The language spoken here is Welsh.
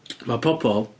Ma' pobl...